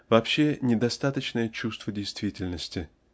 вообще недостаточное чувство действительности.